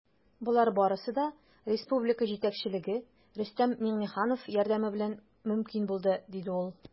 Болар барысы да республика җитәкчелеге, Рөстәм Миңнеханов, ярдәме белән мөмкин булды, - диде ул.